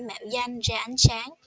mạo danh ra ánh sáng